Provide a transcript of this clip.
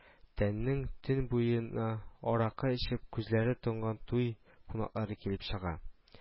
Тәннең-төн буена аракы эчеп күзләре тонган туй кунаклары килеп чыга